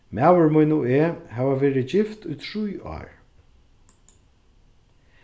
maður mín og eg hava verið gift í trý ár